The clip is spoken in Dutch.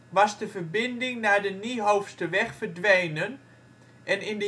was de verbinding naar de Niehoofsterweg verdwenen en in